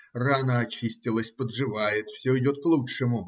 Рана очистилась, подживает, все идет к лучшему.